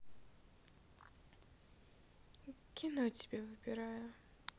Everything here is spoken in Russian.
кино тебе выбираю